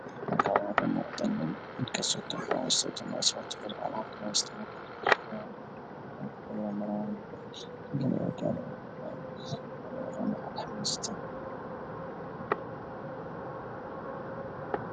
Halkan waxaa kamuuqda nin wata funaanad madow